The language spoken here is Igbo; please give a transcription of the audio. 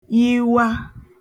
yìwa